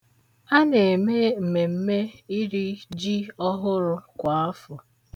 A na-eme mmemme iri ji ọhụrụ kwa afọ.